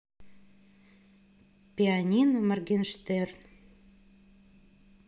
пианино моргенштерн